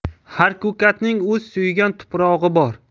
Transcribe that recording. har ko'katning o'z suygan tuprog'i bor